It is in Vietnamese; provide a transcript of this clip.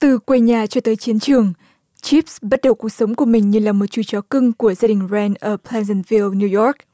từ quê nhà chưa tới chiến trường chíp bắt đầu cuộc sống của mình như là một chú chó cưng của gia đình ợp tay xan theo niu óc